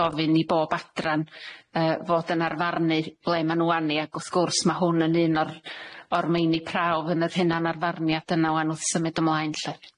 gofyn i bob adran yy fod yn arfarnu ble ma' nw arni ag wrth gwrs ma' hwn yn un o'r o'r meini prawf yn y hunan arfarniad yna ŵan wrth symud ymlaen 'lly.